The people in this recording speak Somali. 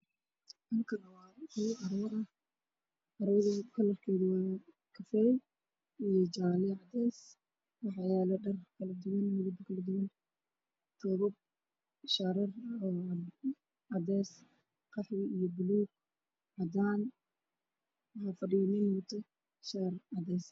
Meeshaan waa meel suuq ah oo lagu gadaalaa badan waxaa kusoo horeyso sekooyin midabo badan leh mid waa madow mid waa jaallo mid waa geduud